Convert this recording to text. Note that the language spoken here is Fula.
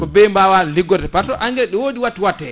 ɓe mbawa liggorde par ce engrais ɗo wodi wattu watte